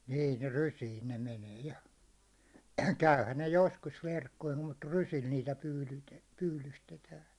niin ne rysiin ne menee ja käyhän ne joskus verkkoihin mutta rysillä niitä - pyydystetään